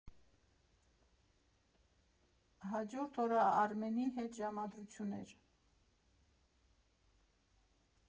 Հաջորդ օրը Արմենի հետ ժամադրությունն էր։